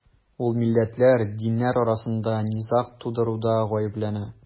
Ул милләтләр, диннәр арасында низаг тудыруда гаепләнә.